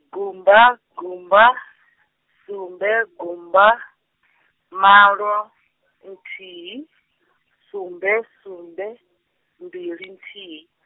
gumba gumba, sumbe gumba, malo, nthihi, sumbe sumbe, mbili nthihi.